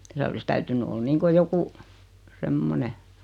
siellä olisi täytynyt olla niin kuin joku semmoinen